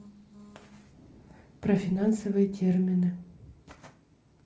про финансовые термины